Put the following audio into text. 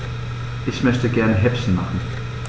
Ich möchte gerne Häppchen machen.